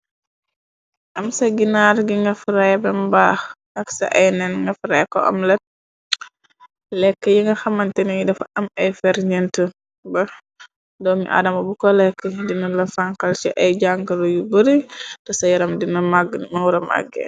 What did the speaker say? Am sa ginaar gi nga frày bam baax ak sa ay nen nga fray ko omlet lekka yi nga xamante ni dafa am ay ferñent ba doomi adama bu ko lekk dina la fankal ci ay jàn' ngoru yu bari te sa yaram dina mag nëm wara màggè.